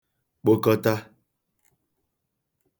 kpokọta